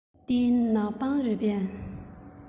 འདི ནག པང རེད པས